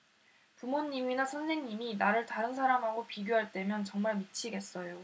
부모님이나 선생님이 나를 다른 사람하고 비교할 때면 정말 미치겠어요